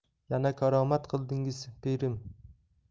yana karomat qildingiz pirim